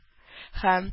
Һәм